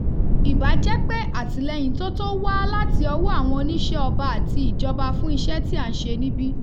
Ìbájẹ́pé àtìlẹ́yìn tó tó wá láti ọwọ́ àwọn oníṣẹọba àti ìjọba fún iṣẹ́ tí à ń ṣe níbí.